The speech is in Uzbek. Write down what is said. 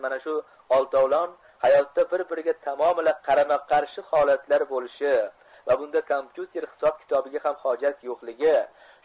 mana shu oltovlon hayotda bir biriga tamomila qarama qarshi holatlar bo'lishi va bunda kompyuter hisob kitobiga ham hojat yo'qligi